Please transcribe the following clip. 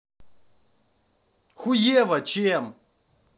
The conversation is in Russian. хуево чем